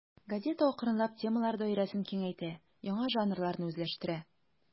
Газета акрынлап темалар даирәсен киңәйтә, яңа жанрларны үзләштерә.